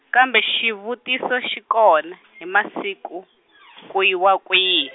kambe xivutiso xi kona hi masiku, ku yiwa kwihi.